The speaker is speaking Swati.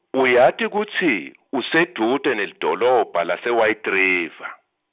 uyati kutsi usedvute nelidolobha lase- White River?